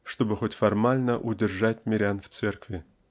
чтобы хоть формально удержать мирян в церкви.